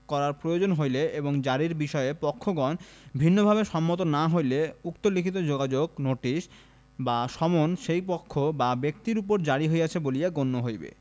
করার প্রয়োজন হইলে এবং জারীর বিষয়ে পক্ষগণ ভিন্নভাবে সম্মত না হইলে উক্ত লিখিত যোগাযোগ নোটিশ বা সমন সেই পক্ষ বা ব্যক্তির উপর জারী হইয়াছে বলিয়া গণ্য হইবে